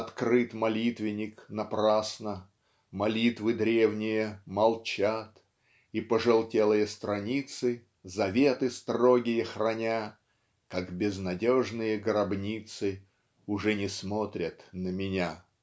Открыт молитвенник напрасно Молитвы древние молчат -- И пожелтелые страницы Заветы строгие храня Как безнадежные гробницы Уже не смотрят на меня.